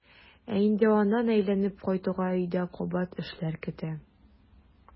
Ә инде аннан әйләнеп кайтуга өйдә кабат эшләр көтә.